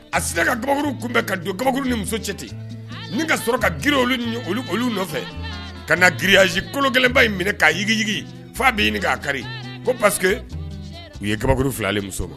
A sera ka kabamuru kun bɛ ka don kabakuru ni muso cɛ ten min ka sɔrɔ ka gi olu ni olu nɔfɛ ka na giiriyaz kolo gɛlɛnba in minɛ k'aiginigin fa bɛ ɲini k'a kari ko parce u ye kabamuru filalen muso la